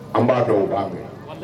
An b'a dɔn o b'an mɛn